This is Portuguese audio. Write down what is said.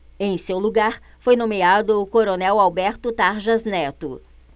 em seu lugar foi nomeado o coronel alberto tarjas neto